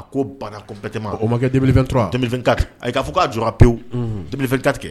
A ko baara kun bɛ tɛmɛ ma a ko ma kɛ denelemi ta ayi k'a fɔ k'a jɔ a pewu deele2 tatigɛ